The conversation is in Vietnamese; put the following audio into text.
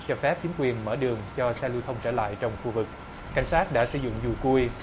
cho phép chính quyền mở đường cho xe lưu thông trở lại trong khu vực cảnh sát đã sử dụng dùi cui